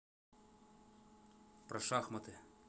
про шахматы